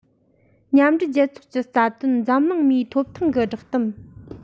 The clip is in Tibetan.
མཉམ འབྲེལ རྒྱལ ཚོགས ཀྱི རྩ དོན འཛམ གླིང མིའི ཐོབ ཐང གི བསྒྲགས གཏམ